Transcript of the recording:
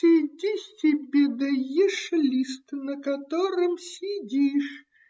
сиди себе да ешь лист, на котором сидишь.